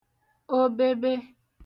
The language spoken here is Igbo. obebe